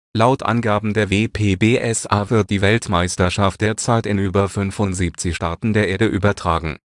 Laut Angaben der WPBSA wird die Weltmeisterschaft derzeit in über 75 Staaten der Erde übertragen